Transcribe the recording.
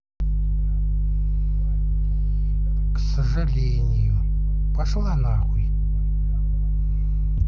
к сожалению пошла нахуй